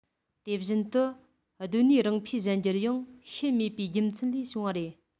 དེ བཞིན དུ གདོད ནུས རང འཕེལ གཞན འགྱུར ཡང ཤེས མེད པའི རྒྱུ མཚན ལས བྱུང བ རེད